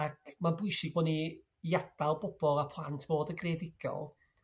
Ac ma'n bwysig bo' ni i ada'l bobol a plant fod yn greadigol,